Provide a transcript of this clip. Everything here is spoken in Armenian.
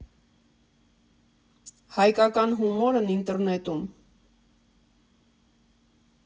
Հայկական հումորն ինտերնետում։